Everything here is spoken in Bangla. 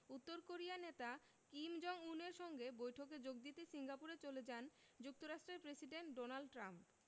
উত্তর কোরিয়ার নেতা কিম জং উনের সঙ্গে বৈঠকে যোগ দিতে সিঙ্গাপুরে চলে যান যুক্তরাষ্ট্রের প্রেসিডেন্ট ডোনাল্ড ট্রাম্প